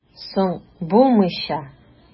Соң, булмыйча!